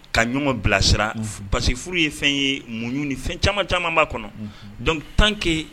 Ka ɲɔgɔn bilasira parce furu ye fɛn ye muɲuni fɛn caman caman b'a kɔnɔ dɔn tanke